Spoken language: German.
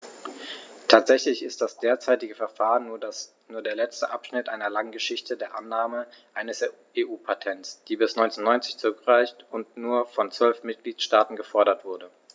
Tatsächlich ist das derzeitige Verfahren nur der letzte Abschnitt einer langen Geschichte der Annahme eines EU-Patents, die bis 1990 zurückreicht und nur von zwölf Mitgliedstaaten gefordert wurde.